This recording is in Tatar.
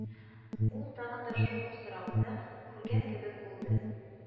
Ул тагын да шул ук сорауны күргән кебек булды